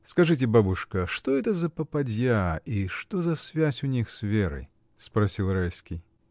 — Скажите, бабушка, что это за попадья и что за связь у них с Верой? — спросил Райский.